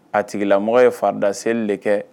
A tigilamɔgɔ ye farida seli de kɛ.